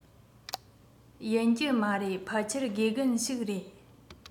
ཡིན གྱི མ རེད ཕལ ཆེར དགེ རྒན ཞིག རེད